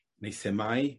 neu themau